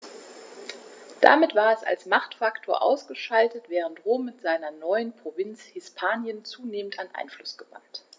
Damit war es als Machtfaktor ausgeschaltet, während Rom mit seiner neuen Provinz Hispanien zunehmend an Einfluss gewann.